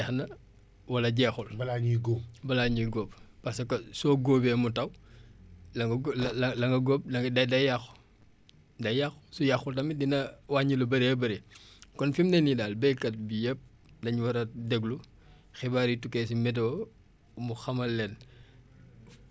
balaa ñuy góob parce que soo góobee mu taw la nga gó la la la nga góob la nga day day yàqu day yàqu su yàquwul tamit dina wàññi lu bëree bëri kon fi mu ne nii daal béykat bi yëpp lañ war a déglu xibaar yu tukkee si météo mu xamal leen fan yii ñu jëm nan lay tëddee